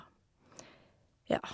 Ja.